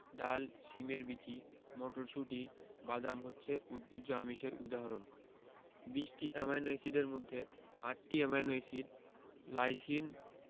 ডাল শিমের বিচি মটরশুঁটি বাদাম হচ্ছে উদ্ভিজ্জ আমিষের উদাহরণ ২০টি অ্যামাইনো এসিডের মধ্যে ৮টি অ্যামাইনো এসিড লাইসিন